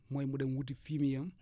mooy mu dem wuti fumier am